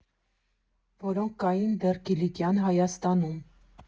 Որոնք կային դեռ Կիլիկյան Հայաստանում։